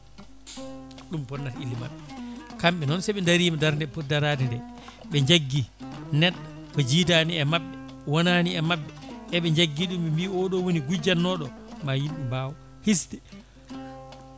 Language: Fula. ɗum bonnata ille mabɓe kamɓe noon sooɓe daarima darde ndeɓe pooti daarada nde ɓe jaggui neɗɗo mo jiidani e mabɓe wonani e mabɓe eɓe jaggui ɗum ɓe mbi oɗo woni gujjanɗo ma yimɓe mbaw hisde